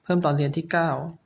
เพิ่มตอนเรียนที่เก้า